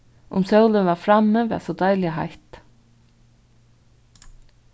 um sólin var frammi var so deiliga heitt